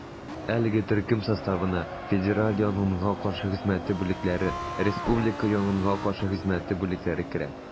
Әлеге төркем составына федераль янгынга каршы хезмәте бүлекләре, республика янгынга каршы хезмәте бүлекләре керә.